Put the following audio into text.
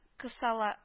Кысала